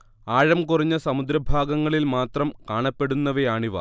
ആഴംകുറഞ്ഞ സമുദ്രഭാഗങ്ങളിൽ മാത്രം കാണപ്പെടുന്നവയാണിവ